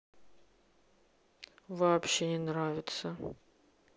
вообще не нравится